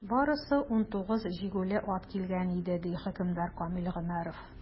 Барысы 19 җигүле ат килгән иде, - ди хөкемдар Камил Гомәров.